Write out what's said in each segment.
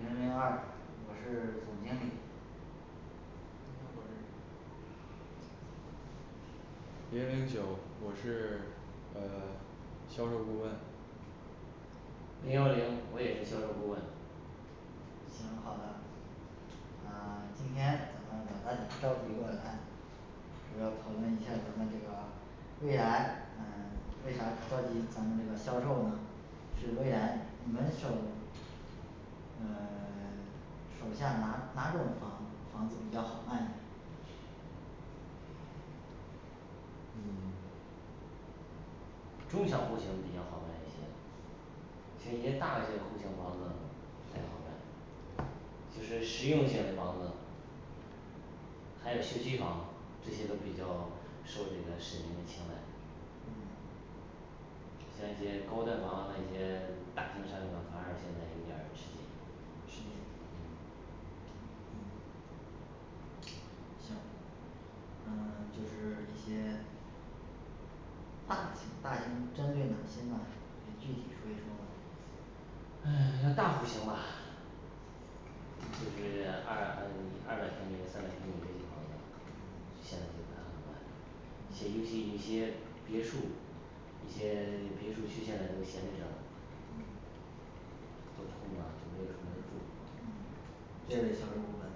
零零二我是总经理零零九我是呃销售顾问零幺零我也是销售顾问行好的呃 今天咱们把大家召集过来，主要讨论一下儿咱们这个未来呃为啥召集咱们这个销售呢是未来你们手呃 手下哪哪种房房子比较好卖呢嗯中小户型比较好卖一些就一些大嘞户型房子不太好卖。就是实用性嘞房子还有学区房，这些都比较受这个市民的青睐。嗯像一些高端房啊，那些大型商品房反而现在有点儿吃劲吃劲嗯嗯行嗯，就是一些大型大型针对哪些呢？可以具体说一说吗？嗯，要大户型吧就是二呃二百平米三百平米的这些房子。现嗯在就不太好卖一些尤嗯其一些别墅，一些 别墅区现在都闲置着嗯都空了就没有什么人儿住嗯这位销售部门呢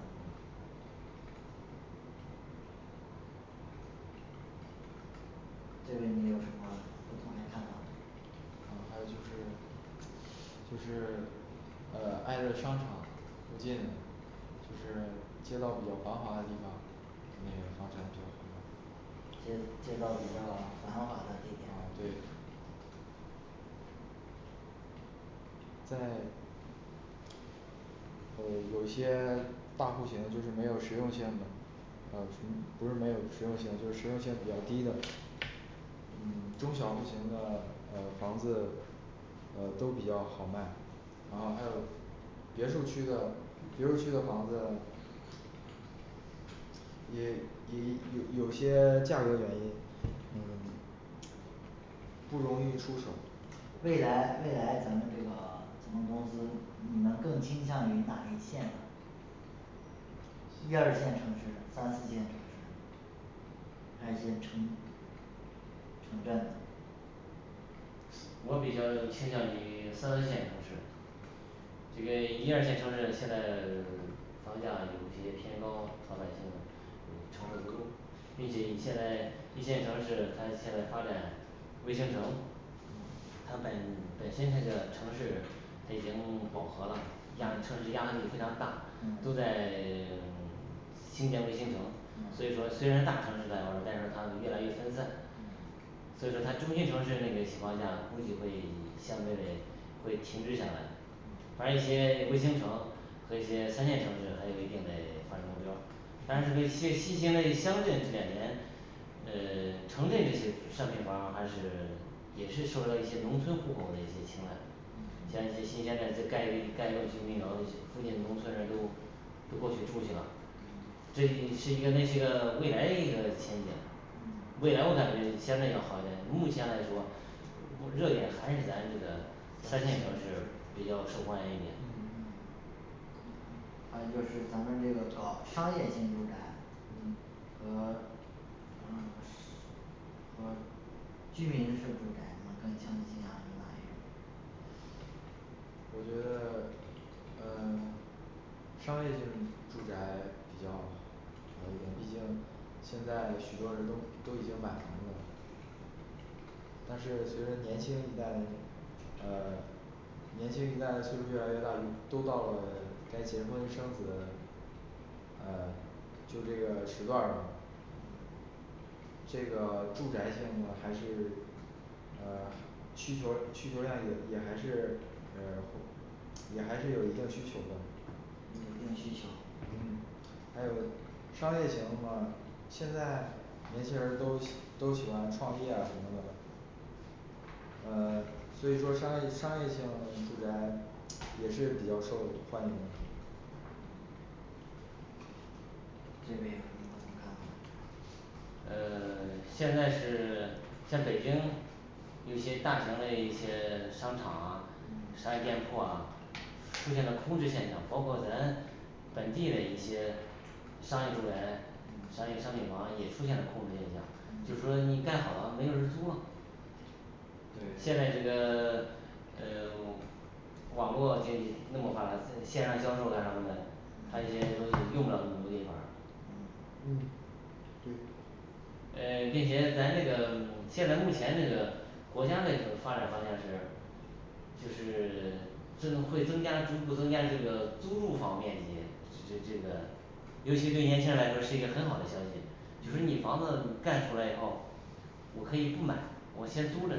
这位你有什么不同嘞看法没啊还有就是就是啊挨着商场附近的就是街道比较繁华的地方那个房产比较好卖街街道比较繁华的啊地点对在有有一些大户型就是没有实用性的，呃城不是没有实用性就实用性比较低的。嗯中小户儿型的呃房子呃都比较好卖。然后还有别墅区的，别墅区的房子也也有 有些价格原因，嗯不容易出手未来未来咱们这个咱们公司你们更倾向于哪一线呢？一二线城市三四线城市还是些城城镇呢我比较就倾向于 三四线城市这个一二线城市现在 房价有一些偏高，老百姓嗯承受不住并且以现在一线城市它现在发展卫星城嗯它本本身那个城市它已经饱和了压城市嗯压力非常大，都嗯在 兴建卫星城所以嗯说虽然大城市来玩儿，但是它越来越分散嗯所以说它中心城市那个情况下估计会相对会停滞下来反嗯而一些卫星城和一些三线城市还有一定嘞发展目标儿但是这这新型嘞乡镇这两年呃城镇这些商品房儿还是也是受到一些农村户口嘞一些青睐嗯像一些新鲜的就盖一盖一栋居民楼附近的农村人都都过去住去了嗯这也是一个那些个未来一个前景嗯未来我感觉乡镇要好一点目前来说目 热点还是咱这个三三线线城市对比较受欢迎一点嗯，还有就是咱们这个搞商业性住宅和嗯是 和居民式住宅你们更倾向于哪一种？我觉得嗯商业性住宅比较好一点毕竟，现在许多人都都已经买房子了但是随着年轻一代呃年轻一代的岁数儿越来越大，都到了该结婚生子的，啊就这个时段儿吧嗯这个住宅性的还是呃需求需求量也也还是呃货 也还是有一定需求的有一定需求嗯还有商业型的嘛，现在年轻人儿都喜 都喜欢创业啊什么的呃所以说商业商业性住宅也是比较受欢迎。嗯这边有什么不同嗯看法呃 现在是 像北京有一些大型嘞一些商场啊嗯商业店铺啊出现了空置现象，包括咱本地嘞一些商业住宅商嗯业商品房也出现了空置现象就是说嗯你盖好了没有人儿租了现对在这个呃 网络经济那么发达，在线上销售干什么嘞，它一些嗯东西用不了那么多地方儿嗯嗯，对呃并且咱这个现在目前这个国家嘞发展方向是就是 增会增加逐步增加这个租住房面积，这这这个尤其对年轻人来说是一个很好的消息，就是你房嗯子盖出来以后，我可以不买，我先租着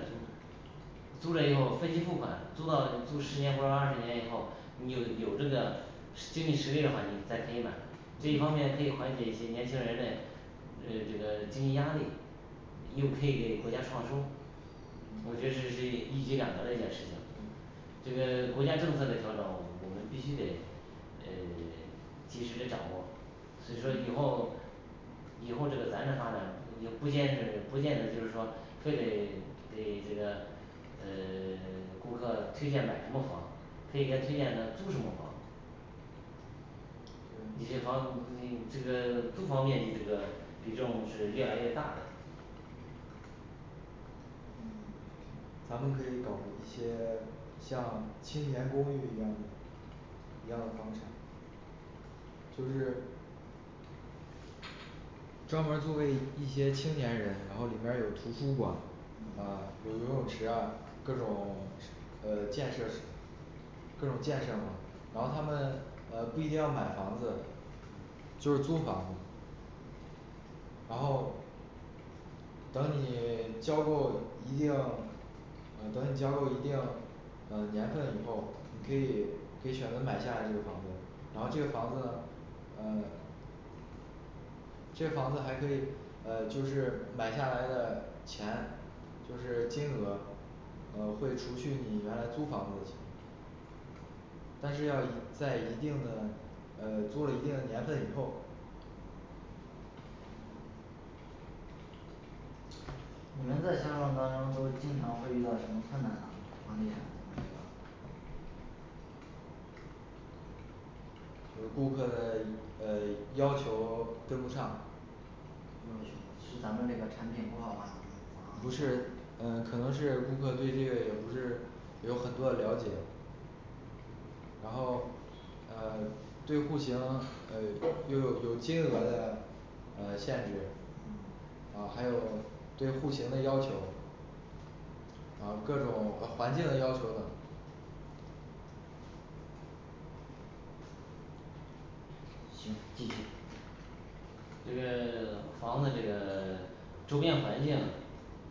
租了以后分期付款，租到租十年或者二十年以后，你有有这个实 经济实力的话你再可以买，这一方面可以缓解一些年轻人嘞呃这个经济压力，又可以给国家创收，我觉得这是一一举两得嘞一件事情这个国家政策嘞调整，我们必须得诶 及时的掌握。所以说以后以后这个咱这发展不也不见是，不见得就是说非得给这个呃 顾客推荐买什么房，可以给他推荐他租什么房，一些房这个租房面积这个比重是越来越大嘞嗯咱们可以搞一些 像青年公寓一样的一样的房产就是专门儿租给一一些青年人，然后里面儿有图书馆啊嗯有游泳池啊，各种设 呃建设各种建设嘛，然后他们啊不一定要买房子，就嗯是租房子。然后等你交够一定啊等你交够一定呃年份以后你可以可以选择买下来这个房子，然后这个房子呢啊这房子还可以啊就是买下来的，钱就是金额呃会除去你原来租房子的钱，嗯但是要一在一定的呃租了一定的年份以后，嗯你们在销售当中都经常会遇到什么困难呢房地产咱们这个有顾客的呃要求跟不上要求是咱们这个产品不好吗？咱们房不是不好吗，呃可能是顾客对这个也不是有很多的了解。然后呃对户型呃又有有金额的呃限制嗯啊还有对户型的要求然后各种呃环境的要求等。行继续这个 房子这个 周边环境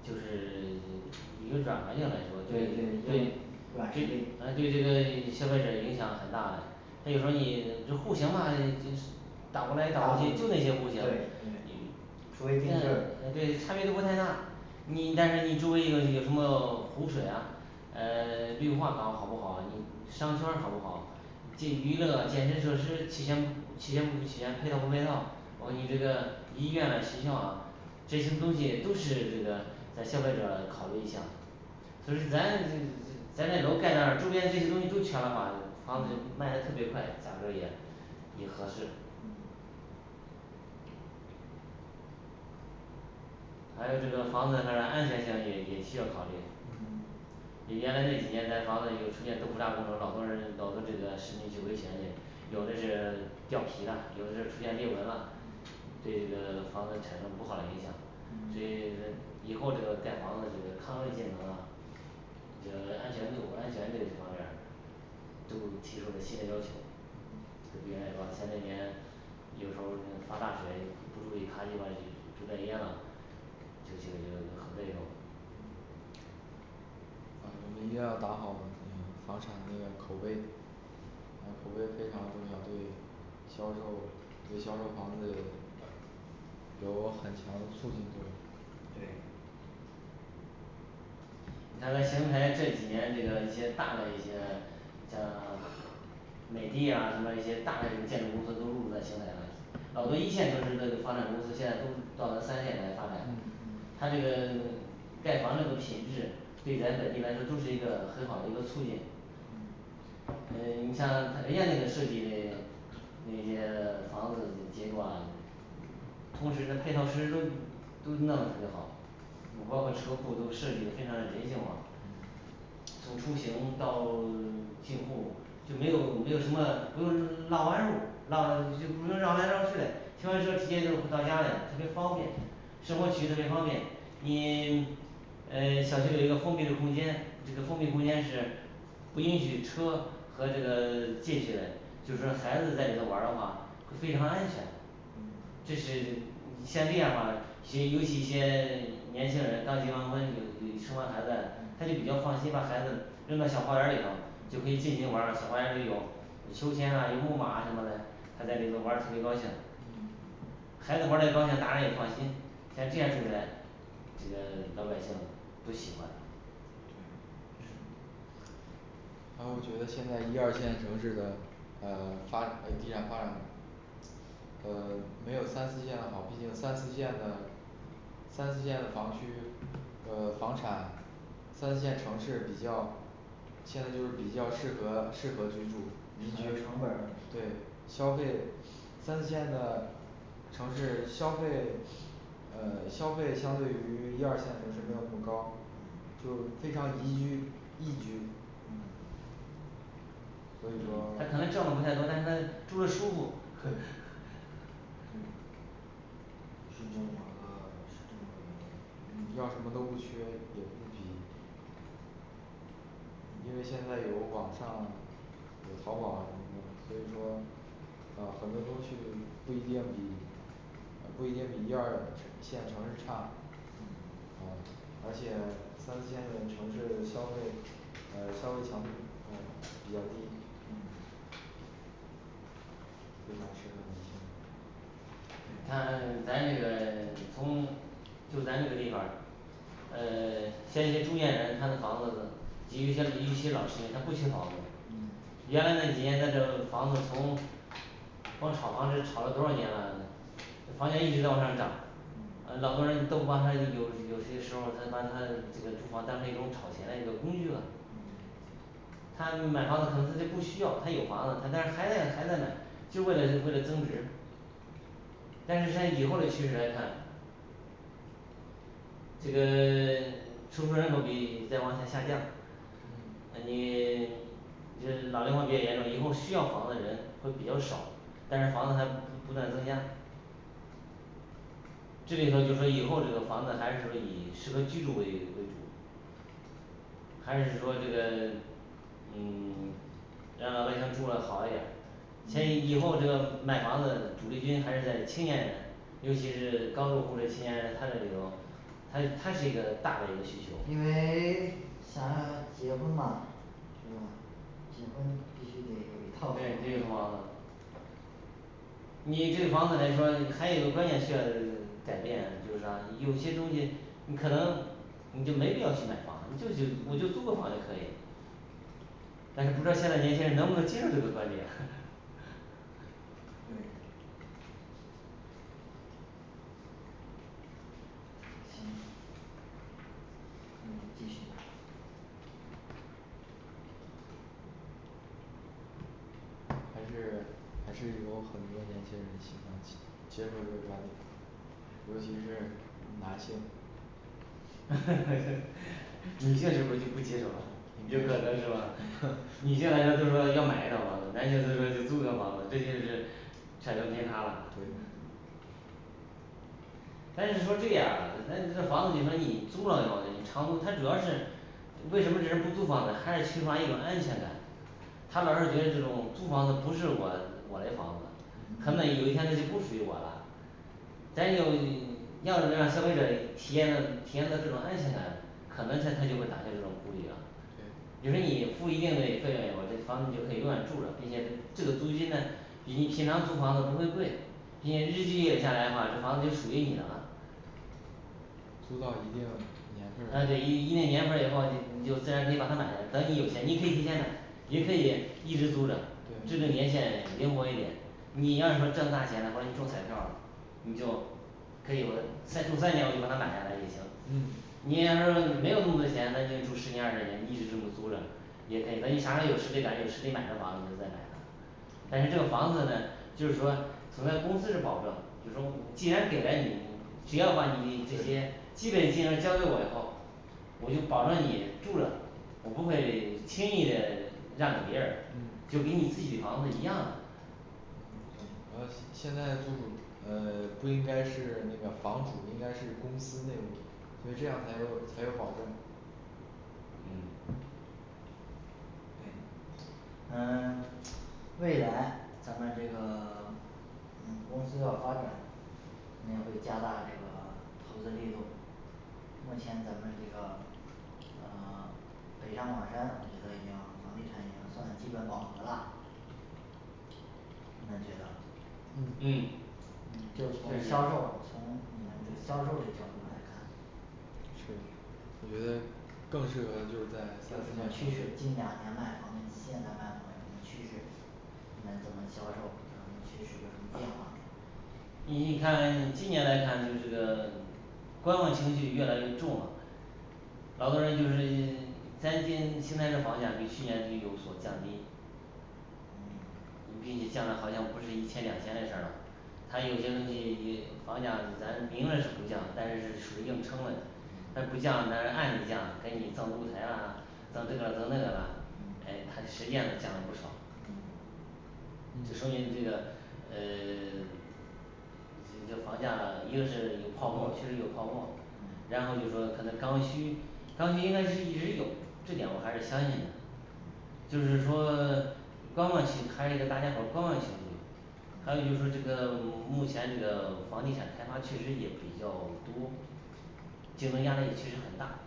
就是 一个软环境来说对对对对软实力啊对这个 消费者影响很大嘞。它有时候儿你这户型吧就是，倒过大部分来对倒过去就那些户型儿对你除那非定啊制对，差别都不太大，你但是你周围有有什么湖水啊，呃 绿化搞好不好，你商圈儿好不好？这娱乐健身设施齐全齐全不齐全配套不配套，包括你这个医院了学校啊这些东西都是这个在消费者考虑意向所以说咱 这这咱这楼盖那周边这些东西都全的话房子就嗯卖得特别快，价格儿也也合嗯适还有这个房子还是安全性也也需要考虑的嗯原原来那几年咱房子有出现豆腐渣工程，老多人老多这个市民去维权去，有的是掉皮啦，有的是出现裂纹啦，嗯对这个房子产生不好嘞影响，所以这以后这个盖房子这个抗震节能啊，这个安全度安全这一方面儿都提出了新嘞要求。就比方来说像那年有时候儿发大水不注意，卡就把住宅淹了这些就很那种嗯嗯我们一定要打好我们房产那个口碑，啊口碑非常重要，对销售对销售房子有个很强的促进作用对你看咱邢台这几年这个一些大嘞一些像 美的呀什么一些大嘞这个建筑公司都入驻在邢台啦老多一线城市的房产公司现在都到咱三线来发展嗯嗯它这个盖房子那个品质对咱本地来说都是一个很好嘞一个促进。嗯诶你像它人家那个设计嘞那些房子结构啊嗯同时那配套设施都都弄嘞特别好，包括车库都设计得非常的人性化嗯从出行到 进户儿就没有没有什么不用绕弯路儿，绕不用绕来绕去嘞，停完车直接就到家里特别方便，生活起居特别方便，你 呃小区里有一个封闭嘞空间，这个封闭空间是不允许车和这个 进去嘞，就是说孩子在里头玩儿的话会非常安全嗯这是像这样的话，些尤其一些年轻人刚结完婚，有有生完孩子，他就比较嗯放心把孩子扔到小花园儿里头就可以嗯尽情玩儿，小花园儿里有有秋千了有木马啊什么嘞，他在里头玩儿特别高兴嗯孩子玩儿嘞高兴大人也放心，像这样住宅这个老百姓都喜欢对嗯是还有我觉得现在一二线城市的呃发地产发展呃没有三四线好，毕竟三四线的三四线的房区呃房产，三四线城市比较现在就是比较适合适合居住宜居还有成本儿问对题消费三四线的城市消费呃消费相对于一二线城市没有那么高，嗯就非常宜居，易居嗯所以他说可能挣的不太多，但是他住的舒服 嗯是这么个是这么个嗯要原因什么都不缺也不比因为现在有网上有淘宝啊什么的，所以说呃很多东西不一定比啊不一定比一二线城市差嗯啊而且三四线的城市消费呃消费强度呃比较低嗯非常适合年轻人。你对看咱这个 从就咱这个地方儿呃 像一些中年人他的房子基于一些一些老市民他不缺房子嗯原来那几年咱这个房子从光炒房这炒了多少年来房价儿一直在往上涨啊嗯老多人都把他有有些时候儿他把他这个住房单位当炒钱嘞个工具啦嗯他买房子可能他就不需要他有房子，他但是还在还在买就是为了为了增值。但是是他以后嘞趋势来看这个 出生人口比在往下下降，呃嗯你 这老龄化比较严重，以后需要房子的人会比较少，但是房子还不不断增加。这里头就说以后这个房子还是以适合居住为为主还是说这个嗯 让老百姓住得好一点儿。像以以嗯后这个买房子主力军还是在青年人，尤其是刚入户的青年人，他这里头它是它是一个大嘞一个需求因为 想要结婚嘛是吧结婚必须得对得有有一套套房房子子你这个房子来说，还有一个观念需要改变，就是啥，有些东西你可能你就没必要去买房，你就就我就租个房就可以，但是不知道现在年轻人能不能接受这个观点 对。行嗯，继续。还是还是有很多年轻人喜欢接接受这个观点，尤其是男性，女性是不是就不接受啦有可能是吧，女性来说都说要买一套房子，男性都说是租个房子这件事产生偏差啦对嗯咱是说这样儿啊咱咱这房子你说你租了以后嘞，你长租它主要是为什么人不租房呢还是缺乏一种安全感他老是觉得这种租房子不是我的我嘞房子，可能有一天它就不属于我啦咱有 要让消费者体验到体验到这种安全感可能性，他就会打消这种顾虑了。对比如说你付一定嘞费用以后，这房子就可以永远住着，并且这这个租金呢比你平常租房子不会贵，并且日积月累下来的话，这房子就属于你的啦租到一定年份啊儿对一一定年份儿以后你你就自然可以把它买了，等有钱你也可以提前买也可以一直租着制定对年限灵活一点，你要是说挣大钱了或者你中彩票儿了你就可以我再住三年我就把它买下来也行嗯你要说没有那么多钱，那你就住十年二十年一直这么租着，也可以等你啥时候儿有实力感觉有实力买这房子你就再买它。但是这个嗯房子呢就是说从那公司是保证就说我既然给了你，你只要把你这些基本金额儿交给我以后我就保证你住着，我不会轻易的让给别人儿就嗯给你自己的房子一样的对呃现在租主儿呃不应该是那个房主儿，应该是公司内部，所以这样才有才有保证。嗯对呃 未来咱们这个 嗯公司要发展，肯定会加大这个投资力度目前咱们这个呃 北上广深我觉得已经房地产已经算基本饱和啦。你们觉得嗯嗯嗯确就是从实是销售从你们这销售嘞角度来看是我觉得更适合就是在有什么趋势近两年卖房跟现在卖房什么趋势你们怎么销售有什么趋势有什么变化没你一看近年来看就是这个官网情绪越来越重了，老多人就是 担心邢台专业房价儿比去年就有所降低嗯你毕竟降了好像不是一千两千嘞事儿了它有些东西 也房价咱明了是不降，但是是属于硬撑嘞。他不嗯降，但是按理降给你造露台啦赠这个啦赠那个啦诶他实际是降了不少，嗯这说嗯明这个嗯 这这房价一个是有泡沫儿确实有泡沫嗯然后就说可能刚需刚需应该是一直有，这点儿我还是相信的嗯就是说 观望期还是一个大家伙儿观望情绪，还有就嗯是说这个目前这个房地产开发确实也比较多，竞争压力也确实很大，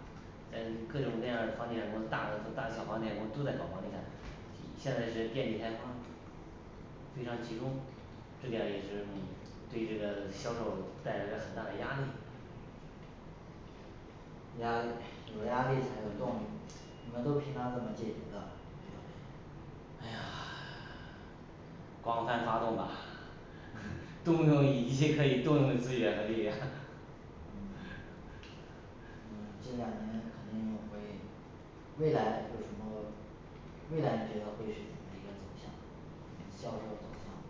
在各种各样儿嘞房地产公司大大小房地产公司都在搞房地产，现在是遍地开花儿非常集中，这点儿也是这种对这个销售带来了很大的压力，压力有压力才有动力。你们都平常怎么解决的？遇到这诶呀 广泛发动吧， 动用一切可以动用嘞资源和力量 嗯嗯近两年肯定会未来有什么未来你觉得会是怎么一个走向？销售走向呢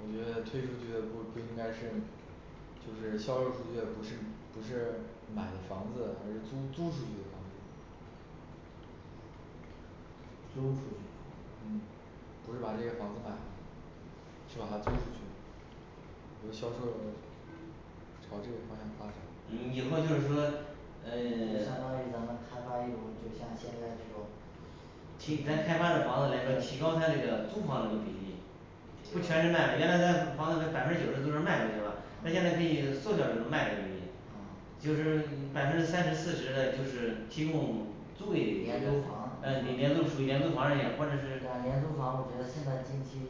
我觉得退出去的不不应该是就是销售出去的不是不是买的房子而是租租出去的房子。租出去房子嗯不是把这个房子买了，是把它租出去，比如销售朝这个方向发展嗯以后就是说呃就相 当于咱们开发一种就像现在这种去咱开发嘞房子来说，提高它这个租房它这个比例不全是卖了，原来咱房子百分之九十都是卖出去了，咱现在可以缩小就是卖的比例嗯就是百分之三十四十嘞就是提供租给廉这租个房对你廉租属于说廉租房这些或者但是廉租房，我觉得现在近期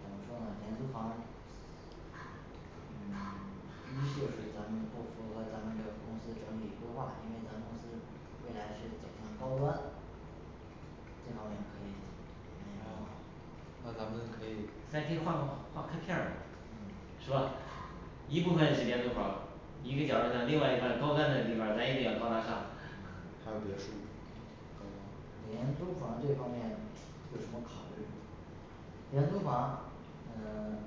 怎么说呢廉租房嗯 一就是咱们不符合咱们这个公司整体规划，因为咱们公司未来是走向高端这方面儿可以怎没有什么那咱们可以咱可以划划开片儿吗嗯是吧一部分是廉租儿房儿一个角儿度上，另外一个高端的地方儿咱一定要高大上，还嗯有别墅高端廉租房儿这方面有什么考虑廉租房呃